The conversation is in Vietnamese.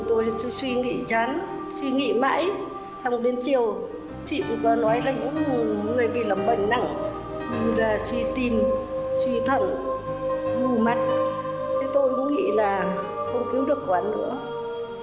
tôi tôi suy nghĩ chán suy nghĩ mãi song đến chiều chị cũng có nói với những người bị lâm bệnh nặng như là suy tim suy thận mù mắt nên tôi cũng nghĩ là không cứu được quá nữa